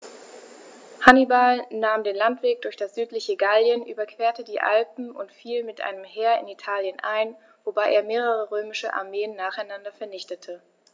Hannibal nahm den Landweg durch das südliche Gallien, überquerte die Alpen und fiel mit einem Heer in Italien ein, wobei er mehrere römische Armeen nacheinander vernichtete.